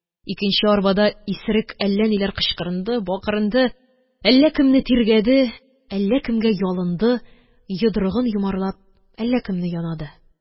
Икенче арбада исерек әллә ниләр кычкырынды, бакырынды, әллә кемне тиргәде, әллә кемгә ялынды, йодрыгын йомарлап, әллә кемне янады